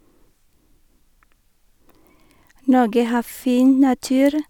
Norge har fin natur.